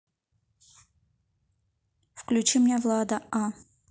включи мне влада а